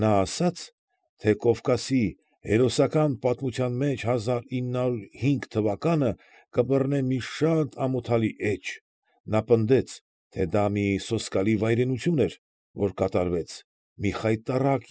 Նա ասաց, թե Կովկասի «հերոսական պատմության մեջ է հազար ինը հարյուր հինգ թվականը» կբռնե մի շատ ամոթալի էջ, նա պնդեց, թե դա մի սոսկալի վայրենություն էր, որ կատարվեց, մի խայտառակ։